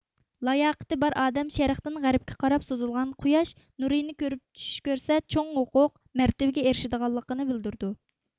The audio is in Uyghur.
لاياقىتى بار ئادەم شەرقتىن غەربكە قاراپ سوزۇلغان قوياش نۇرىنى كۆرۈپ چۈش كۆرسە چوڭ ھوقوق مەرتىۋىگە ئېرىشىدىغانلىقىنى بىلدۈرىدۇ